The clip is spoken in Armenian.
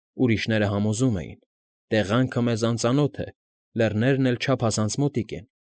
Ուրիշները համոզում էին՝ «Տեղանքը մեզ անծանոոթ է, լեռներն էլ չափազանց մոտիկ են։